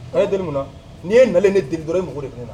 Ale ye delimu ni'i ye na ni deniba dɔrɔn mɔgɔ de ne na